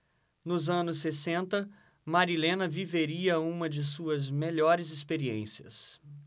nos anos sessenta marilena viveria uma de suas melhores experiências